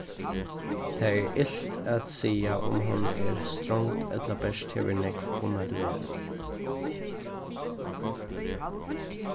tað er ilt at siga um hon er strongd ella bert hevur nógv um at vera